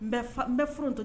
N n bɛɛ furu don